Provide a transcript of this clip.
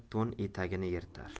to'n etagini yirtar